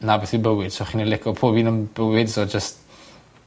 'na beth yw bywyd so chi'n yna lico pob un yn bywyd so jys